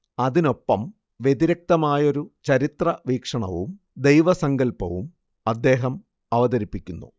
അതിനൊപ്പം വ്യതിരിക്തമായൊരു ചരിത്രവീക്ഷണവും ദൈവസങ്കല്പവും അദ്ദേഹം അവതരിപ്പിക്കുന്നു